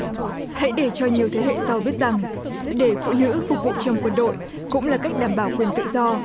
hãy để cho nhiều thế hệ sau biết rằng để phụ nữ phục vụ trong quân đội cũng là cách đảm bảo quyền tự do